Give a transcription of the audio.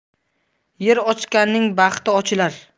yer ochganning baxti ochilar